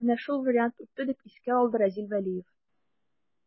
Менә шул вариант үтте, дип искә алды Разил Вәлиев.